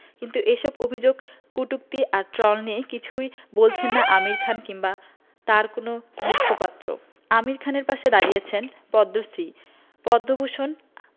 কিন্তু এসব অভিযোগ কটূক্তি আর ট্রল নিয়ে কিছুই বলছেন না আমির খান কিংবা তাঁর কোনো মুখপাত্রআমির খানের পাশে দাঁড়িয়েছেন পদ্মশ্রী পদ্মভূষণ